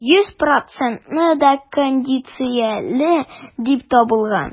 Йөз проценты да кондицияле дип табылган.